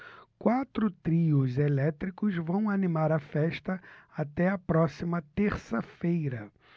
quatro trios elétricos vão animar a festa até a próxima terça-feira